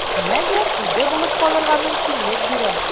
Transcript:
Мәгәр үзе булып калырга мөмкинлек бирә.